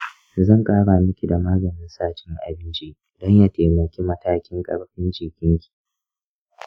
zan ƙara miki da maganin sa cin abinci don ya taimaki matakan ƙarfin jikinki.